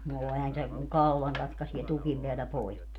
no eihän se kun kaulan katkaisee tukin päällä poikki